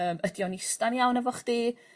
yym ydi o'n ista'n iawn efo chdi?